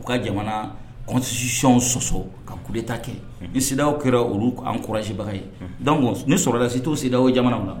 U ka jamanasiy sɔsɔ ka kuta kɛ ni siraw kɛra olu an kɔrɔsibaga ye da ni sɔrɔdasi t' siri o jamana na